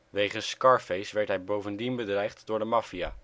Wegens Scarface werd hij bovendien bedreigd door de maffia